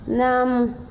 naamu